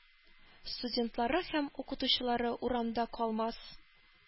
Студентлары һәм укытучылары урамда калмас.